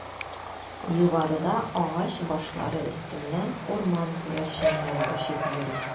Югарыда агач башлары өстеннән урман күгәрченнәре очып йөри.